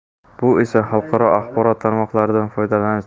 bu esa xalqaro axborot tarmoqlaridan foydalanish